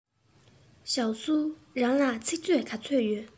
ཞའོ སུའུ རང ལ ཚིག མཛོད ག ཚོད ཡོད